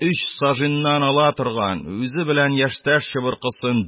Өч саженьнан ала торган, үзе белән яшьтәш чыбыркысын